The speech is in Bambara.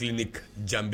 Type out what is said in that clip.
Ni jan